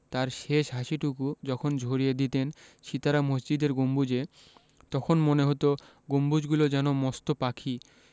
তাঁর শেষ হাসিটুকু যখন ঝরিয়ে দিতেন সিতারা মসজিদের গম্বুজে তখন মনে হতো গম্বুজগুলো যেন মস্ত পাখি